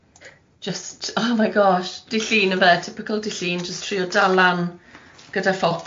Jyst oh my gosh, dydd Llun yfe, typical dydd Llun, jyst trio dal lan gyda'r ffordd beth,